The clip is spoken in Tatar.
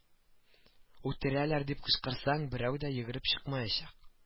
Үтерәләр дип кычкырсаң берәү дә йөгереп чыкмаячак